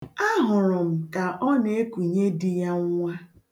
Ahụrụ m ka ọ na-ekunye di ya nwa.